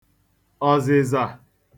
ọ̀zị̀zà